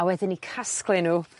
a wedyn 'u casglu n'w